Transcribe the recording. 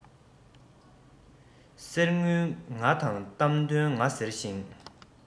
གསེར དངུལ ང དང གཏམ དོན ང ཟེར ཞིང